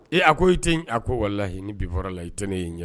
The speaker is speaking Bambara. Ee a ko i tɛ a ko wala i ni biɔr la i tɛ ne ye ɲɛ